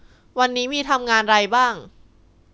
วันนี้มีทำงานไรบ้าง